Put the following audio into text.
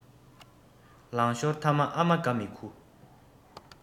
ལང ཤོར ཐ མ ཨ མ དགའ མི ཁུག